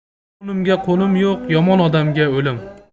beqo'nimga qo'nim yo'q yomon odamga o'lim